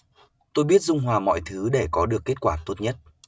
tôi biết dung hòa mọi thứ để có được kết quả tốt nhất